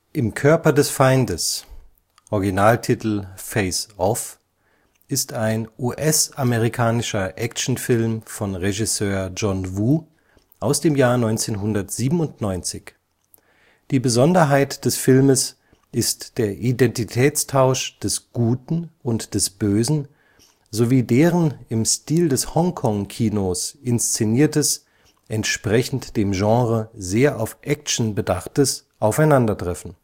Im Körper des Feindes (Originaltitel: Face/Off) ist ein US-amerikanischer Actionfilm von Regisseur John Woo aus dem Jahr 1997. Die Besonderheit des Filmes ist der Identitätstausch des „ Guten “und des „ Bösen “sowie deren im Stil des Hongkong-Kinos inszeniertes, entsprechend dem Genre sehr auf Action bedachtes Aufeinandertreffen